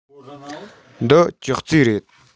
འདི ཅོག ཙེ རེད